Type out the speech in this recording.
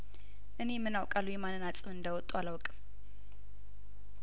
እኔምን አውቃለሁ የማንን አጽም እንዳወጡ አላውቅም